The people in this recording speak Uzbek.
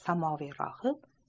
samoviy rohib